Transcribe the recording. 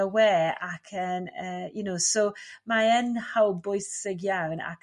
y we ac yn you know so ma' e'n hawl bwysig iawn ac